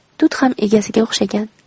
tut ham egasiga o'xshagan